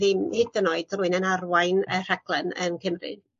ddim hyd yn oed rwun yn arwain y rhaglen yn Cymru.